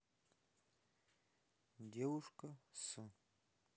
девушка с